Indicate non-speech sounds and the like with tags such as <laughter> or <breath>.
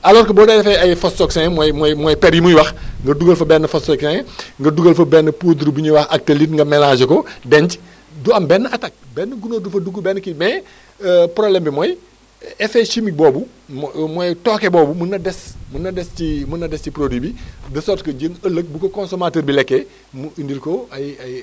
alors que boo ci defee ay phostoxin mooy mooy mooy per yi muy wax nga dugal fa benn phostoxin <breath> nga dugal fa benn poudre bu ñuy wax actélite nga mélangé ko <breath> denc du am benn attaque benn gunóor du fa dugg benn kii mais <breath> problème bi mooy effet chimique boobu mo mooy tooke boobu mën na des mën na des ci mën na des ci produit bi de sorte que jéem ëllëg bu ko consommateur bi lekkee mu indil ko ay ay